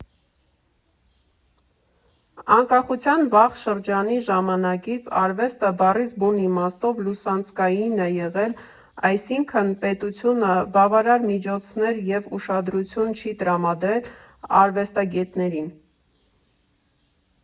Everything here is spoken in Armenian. ֊ Անկախության վաղ շրջանի ժամանակակից արվեստը բառից բուն իմաստով լուսանցքային է եղել, այսինքն՝ պետությունը բավարար միջոցներ և ուշադրություն չի տրամադրել արվեստագետներին։